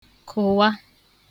kụ̀wa